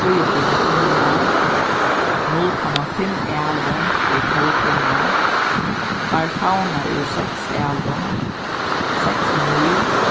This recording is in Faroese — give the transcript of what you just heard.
trýogfjøruti tummar null komma fimm alin eru tólv tummar tveir favnar eru seks alin seks míl